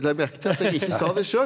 legg merke til at jeg ikke sa det sjøl!